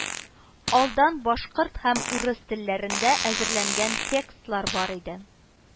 Алдан башкорт һәм урыс телләрендә әзерләнгән текстлар бар иде